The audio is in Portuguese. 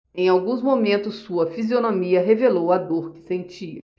em alguns momentos sua fisionomia revelou a dor que sentia